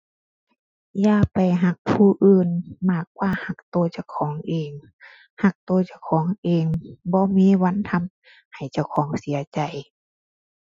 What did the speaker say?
อย่าไปรักผู้อื่นมากกว่ารักรักเจ้าของเอง รักรักเจ้าของเองบ่มีวันทำให้เจ้าของเสียใจ